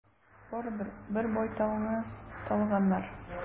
Барыбер, бер байталны талаганнар.